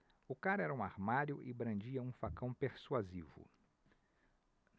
o cara era um armário e brandia um facão persuasivo